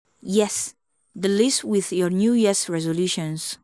Yes, the list with your New Year’s Resolutions.